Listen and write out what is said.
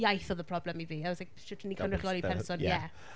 Iaith oedd y problem i fi. I was like, shwt o'n i’n cynrychioli...That was... person, ie.